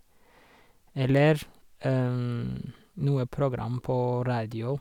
Eller noe program på radio.